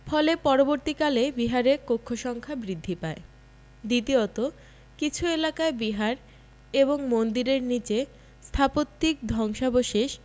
ফলে পরবর্তীকালে বিহারে কক্ষ সংখ্যা বৃদ্ধি পায় দ্বিতীয়ত কিছু এলাকায় বিহার এবং মন্দিরের নিচে স্থাপত্যিক ধ্বংসাবশেষ